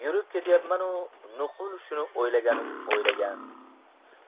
yurib ketyapman u nuqul shuni o'ylaganim o'ylagan